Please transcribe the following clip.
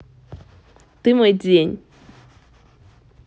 ты мой день